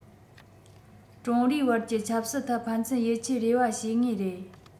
ཀྲུང རིའི དབར གྱི ཆབ སྲིད ཐད ཕན ཚུན ཡིད ཆེས རེ བ བྱེད ངེས རེད